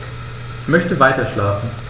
Ich möchte weiterschlafen.